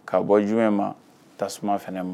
Ka bɔ jumɛn ma tasuma fana ma.